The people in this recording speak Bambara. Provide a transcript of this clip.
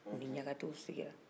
u ni ɲakatew sigira